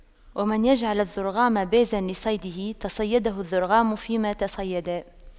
ومن يجعل الضرغام بازا لصيده تَصَيَّدَهُ الضرغام فيما تصيدا